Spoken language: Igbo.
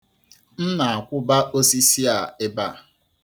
M na-akwụba osisi a ebe a.